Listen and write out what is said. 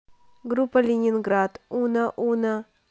группа ленинград уно уно